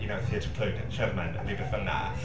You know Theatr Clwyd, Sherman neu rywbeth fel 'na.